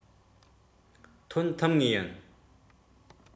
གནས ཚུལ བྱུང ངེས ཡིན